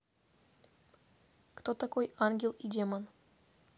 кто такой ангел и демон